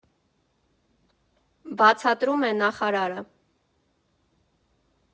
Բացատրում է նախարարը.